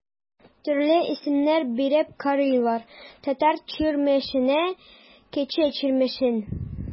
Төрле исемнәр биреп карыйлар: Татар Чирмешәне, Кече Чирмешән.